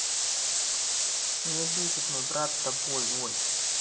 меня бесит мой брат с тобой ой